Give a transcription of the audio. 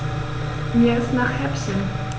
Mir ist nach Häppchen.